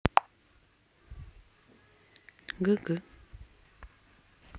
г г